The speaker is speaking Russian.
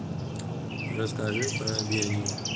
расскажи про бельгию